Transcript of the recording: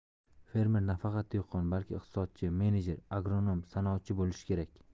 fermer nafaqat dehqon balki iqtisodchi menejer agronom sanoatchi bo'lishi kerak